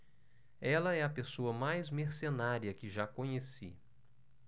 ela é a pessoa mais mercenária que já conheci